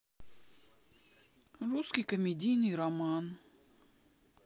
русский комедийный роман